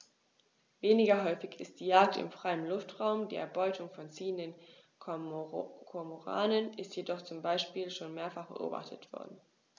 Weniger häufig ist die Jagd im freien Luftraum; die Erbeutung von ziehenden Kormoranen ist jedoch zum Beispiel schon mehrfach beobachtet worden.